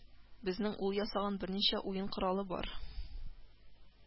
Безнең ул ясаган берничә уен коралы бар